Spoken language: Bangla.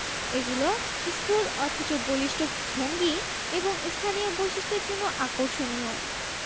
এগুলি স্থূল অথচ বলিষ্ঠ ভঙ্গি এবং স্থানীয় বৈশিষ্ট্যের জন্য আকর্ষণীয়